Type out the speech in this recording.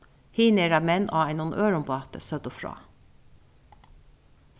hin er at menn á einum øðrum báti søgdu frá